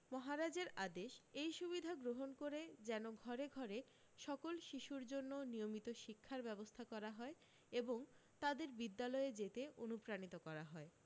মহারাজের আদেশ এই সুবিধা গ্রহন করে যেন ঘরে ঘরে সকল শিশুদের জন্য নিয়মিত শিক্ষার ব্যবস্থা করা হয় এবং তাদের বিদ্যালয়ে যেতে অনুপ্রাণিত করা হয়